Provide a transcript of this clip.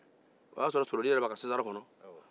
o y'a sɔrɔ solonin yɛrɛ b'a ka sansara kɔnɔ